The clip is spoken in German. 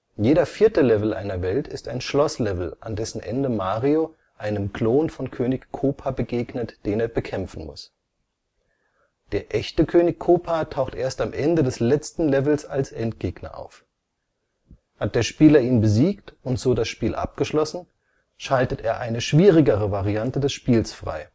Jeder vierte Level einer Welt ist ein Schloss-Level, an dessen Ende Mario einem Klon von König Koopa begegnet, den er bekämpfen muss. Der echte König Koopa taucht erst am Ende des letzten Levels als Endgegner auf. Hat der Spieler ihn besiegt und so das Spiel abgeschlossen, schaltet er eine schwierigere Variante des Spiels frei